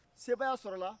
sebaya sɔrɔ la